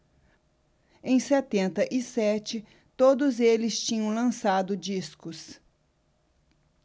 em setenta e sete todos eles tinham lançado discos